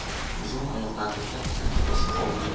uzun oyoqlarini katta katta bosib